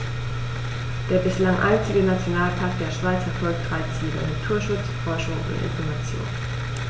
Der bislang einzige Nationalpark der Schweiz verfolgt drei Ziele: Naturschutz, Forschung und Information.